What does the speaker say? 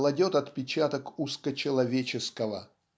кладет отпечаток узкочеловеческого.